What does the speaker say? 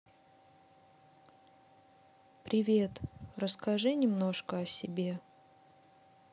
привет расскажи немножко о себе